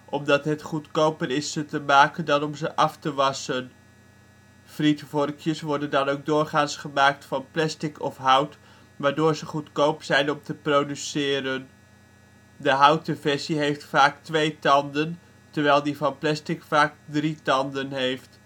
omdat het goedkoper is om ze te maken dan om ze af te wassen. Frietvorkjes worden dan ook doorgaans gemaakt van plastic of hout waardoor ze goedkoop zijn om te produceren. De houten versie heeft vaak 2 tanden, terwijl die van plastic vaak 3 tanden heeft